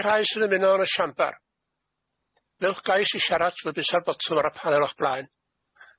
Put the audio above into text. I'r rhai sy'n ymuno yn y siambar, newch gais i siarad trwy bwyso'r botwm ar y panel o'ch blaen.